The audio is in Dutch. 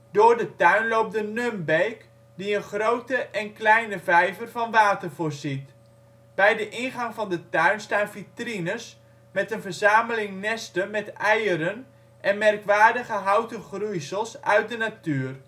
Door de tuin loopt de Nunbeek, die een grote en kleine vijver van water voorziet. Bij de ingang van de tuin staan vitrines met een verzameling nesten met eieren en merkwaardige houten groeisels uit de natuur